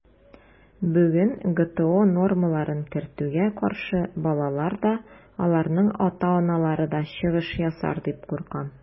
Бүген ГТО нормаларын кертүгә каршы балалар да, аларның ата-аналары да чыгыш ясар дип куркам.